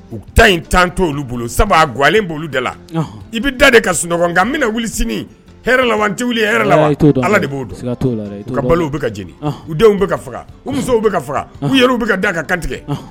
U ta in tan to bolo san galen b de la i bɛ da de ka sunɔgɔ bɛna wuli sinilati wuli la ala de b'o dɔn ka balow bɛ ka jeni u denw bɛ ka faga u musow bɛ ka faga u yɛrɛ u bɛ ka da ka kantigɛ